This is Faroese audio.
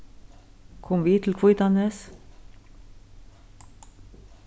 kom við til hvítanes